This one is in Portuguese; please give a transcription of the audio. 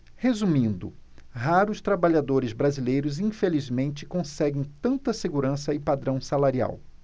resumindo raros trabalhadores brasileiros infelizmente conseguem tanta segurança e padrão salarial